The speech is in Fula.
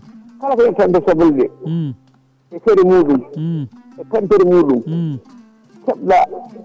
kala ko yanti hande e sobleɗe e fere muɗum e tampere muɗum foof poɗɗa